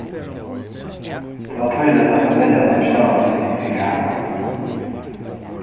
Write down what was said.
tað var týðiligt at familjan hevði stóran týdning fyri hana